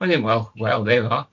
Roedd e'n wel wel there you are.